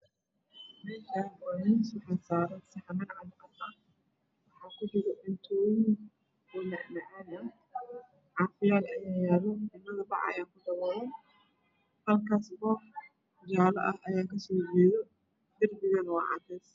Meeshaani waa miis waxaa saaran saxamaan cadaan ah waxaa ku jiro cuntooyin mac macaan ah caafiyaal ayaa yaalo cuntada bac ayaa ku daboolan dukaankas boorka ah yaa ka soo horjeedo darbigana waa cadays